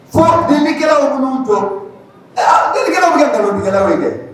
Fɔ nidikɛlawlaw minnu tɔ denkɛlaw bɛ kɛ tɛmɛ nikɛlaw bɛ kɛ